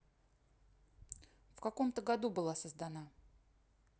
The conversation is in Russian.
в каком то году была создана